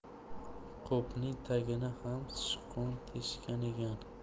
qopning tagini ham sichqon teshgan ekan